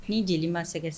Ni jeli ma sɛgɛ